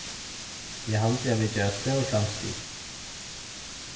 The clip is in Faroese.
eg haldi at vit gera stór framstig